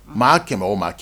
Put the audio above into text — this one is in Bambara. Maa kɛmɛ o ma cɛ